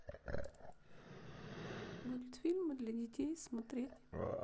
мультфильмы для детей смотреть